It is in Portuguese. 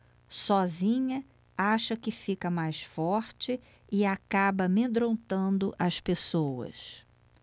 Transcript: sozinha acha que fica mais forte e acaba amedrontando as pessoas